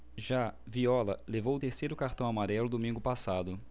já viola levou o terceiro cartão amarelo domingo passado